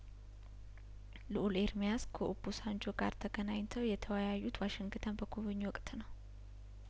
ልኡል ኤርምያስ ከኦቦሳንጆ ጋር ተገናኝ ተው የተወያዩት ዋሽንግተን በጐበኙ ወቅት ነው